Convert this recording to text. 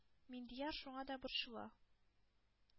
Миндияр шуңа да борчыла.